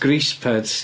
A grease pets.